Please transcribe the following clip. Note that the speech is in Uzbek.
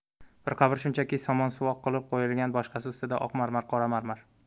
bir qabr shunchaki somon suvoq qilib qo'yilgan boshqasi ustida oq marmar qora marmar